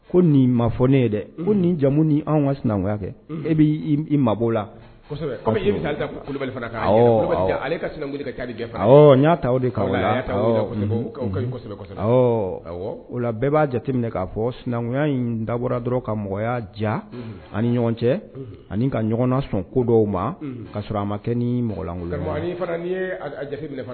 Ko nin ma fɔ ne ye nin jamumu ni kakuya kɛ e bɛ' la n y'a ta o la bɛɛ b'a jateminɛ k'a fɔ sinankunkuya in dabɔra dɔrɔn ka mɔgɔya ja ani ɲɔgɔn cɛ ani ka ɲɔgɔnna sɔn ko dɔw ma ka sɔrɔ a ma kɛ ni mɔgɔlan